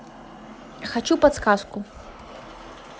хочу подсказку